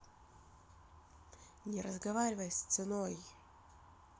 не разговаривай с ценой